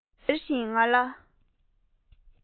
ཅེས ཟེར བཞིན ང ལ